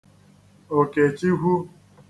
Òkèchikwu